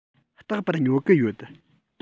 རྟག པར ཉོ གི ཡོད